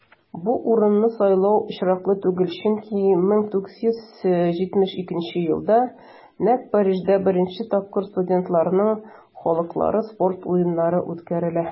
Бу урынны сайлау очраклы түгел, чөнки 1923 елда нәкъ Парижда беренче тапкыр студентларның Халыкара спорт уеннары үткәрелә.